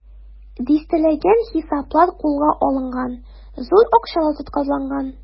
Дистәләгән хисаплар кулга алынган, зур акчалар тоткарланган.